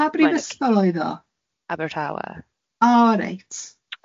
Pa brifysgol oedd o? Abertawe. O reit. Yym.